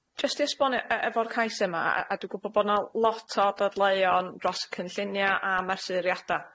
Jyst i esbonio yy efo'r cais yma, a- a dwi gwbo' bo' na lot o dadleuon dros cynllunia' a mesuriada,